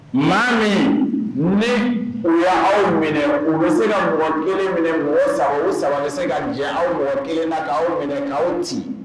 Maa min ne u y'aw minɛ u bɛ se ka mɔgɔ kelen minɛ o u bɛ se ka jɛ aw mɔgɔ kelen na k'aw minɛ k'aw ci